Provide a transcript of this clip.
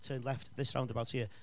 Turned left at this roundabout here.